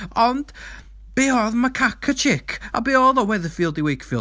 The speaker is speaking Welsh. Ond, be' oedd Macaca Chick? A be odd o'r Weatherfield i Wakefield?